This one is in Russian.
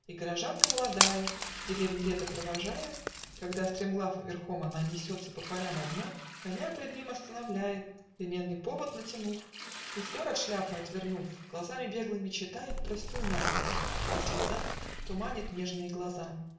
И горожанка молодая, В деревне лето провождая, Когда стремглав верхом она Несется по полям одна, Коня пред ним остановляет, Ремянный повод натянув, И, флер от шляпы отвернув, Глазами беглыми читает Простую надпись - и слеза Туманит нежные глаза.